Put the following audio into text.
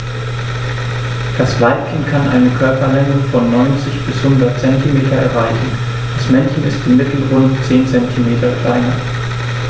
Das Weibchen kann eine Körperlänge von 90-100 cm erreichen; das Männchen ist im Mittel rund 10 cm kleiner.